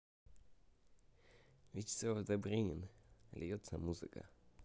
вячеслав добрынин льется музыка музыка